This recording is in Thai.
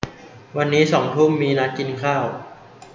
วันนี้สองทุ่มมีนัดกินข้าว